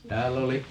täällä oli